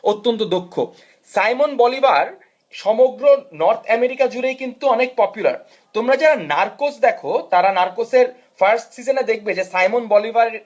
অত্যন্ত দক্ষ Simon Bolivar সমগ্র নর্থ আমেরিকা জুড়ে কিন্তু কিন্তু অনেক পপুলার তোমরা যারা নার্কোস দেখো তারা নার্কোসের ফার্স্ট সিজনে দেখবে যে সাইমন বলিভার